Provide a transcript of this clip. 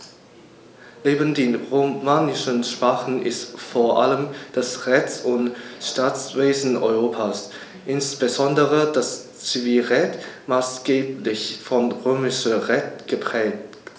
Neben den romanischen Sprachen ist vor allem das Rechts- und Staatswesen Europas, insbesondere das Zivilrecht, maßgeblich vom Römischen Recht geprägt.